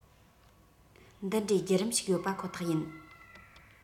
འདི འདྲའི བརྒྱུད རིམ ཞིག ཡོད པ ཁོ ཐག ཡིན